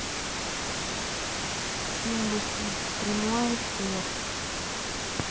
тимати прямой эфир